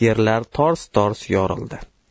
yerlar tors tors yorildi